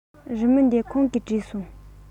རི མོ འདི ཁོང གིས བྲིས སོང